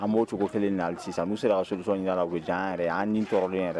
An b'o cogo kelen na sisan n'u sera sodisɔn jara u bɛ jan yɛrɛ yan tɔɔrɔ yɛrɛ